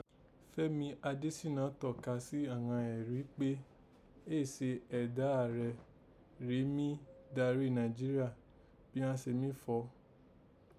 Fẹ́mi Adésínà tọ̀ka sí àghan ẹ̀rí pé éè ṣe ẹ̀dà ààrẹ rèé mí darí Nàìjíríà bí àán se mí fọ̀ọ́